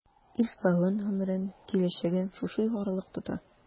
Ил-кавем гомерен, киләчәген шушы югарылык тота.